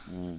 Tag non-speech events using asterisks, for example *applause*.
*hesitation* *hesitation*